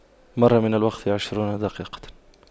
مر من الوقت عشرون دقيقة